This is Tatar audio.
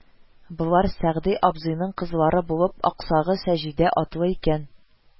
Мин барып бер аймы, күпмедер торгач, урак вакыты җитте